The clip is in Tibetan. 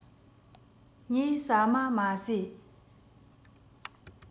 ངས ཟ མ མ ཟོས